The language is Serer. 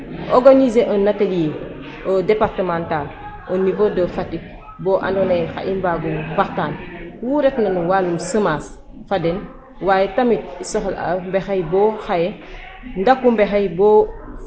Maaga yo in way lancer a ten a foga no plan d' action ne ta ref wa DITAYEL Fatick nam i mbaagu mbexey xaye a foga no plan d' action ne organiser un atelier au départemental au nivau de fatick ba andoona yee xan i mbaag o mbaxtaan wu retna no walum semence fa den .